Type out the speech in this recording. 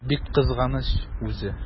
Бик кызганыч үзе!